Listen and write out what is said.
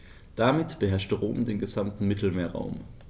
Damit beherrschte Rom den gesamten Mittelmeerraum.